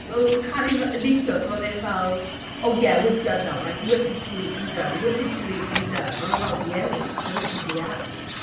Yy caru'r f- yy neithiwr pan oedd e fel, "Oh yeah we're done now we're completely done, we're completely done". Oedd e fel "Yeah mate she chose somebody else".